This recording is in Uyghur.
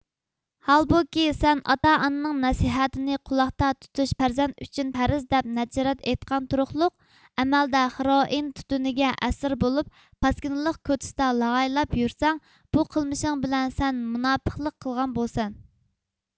ھالبۇكى سەن ئاتا ئانىنىڭ نەسىھەتىنى قۈلاقتا تۇتۇش پەرزەنت ئۈچۈن پەرز دەپ نەچچە رەت ئېيتقان تۇرۇقلۇق ئەمەلدە خىروئىن تۈتۈنىگە ئەسىر بولۇپ پاسكىنىلىق كوچىسىدا لاغايلاپ يۇرسەڭ بۇ قىلمىشىڭ بىلەن سەن مۇناپىقلىق قىلغان بولىسەن